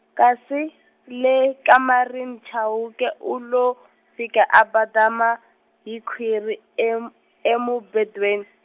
kasi, le kamarini Chauke u lo fika a badama, hi khwiri em- emubedweni.